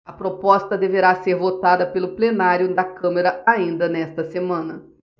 a proposta deverá ser votada pelo plenário da câmara ainda nesta semana